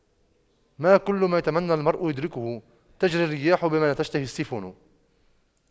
ما كل ما يتمنى المرء يدركه تجرى الرياح بما لا تشتهي السفن